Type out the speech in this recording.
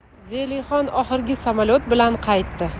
zelixon oxirgi samolyot bilan qaytdi